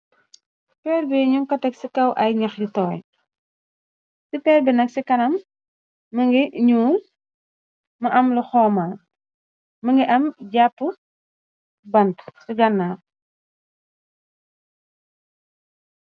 per bi ñu koteg ci kaw ay ñox li toy ci feer binag ci karam më ngi nuus ma am lu xooman mëngi am jàpp bant ci gannab